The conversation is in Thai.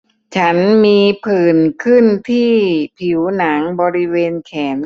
ฉันมีผื่นขึ้นที่ผิวหนังบริเวณแขน